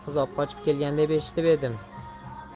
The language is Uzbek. qiz obqochib kelgan deb eshitib edim